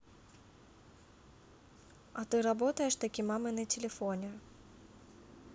а ты работаешь таки мамой на телефоне